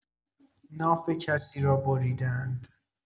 ناف کسی را بریده‌اند